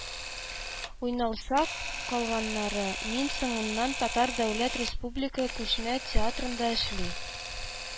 Уйналса, калганнары, мин соңыннан татар дәүләт республика күчмә театрында эшли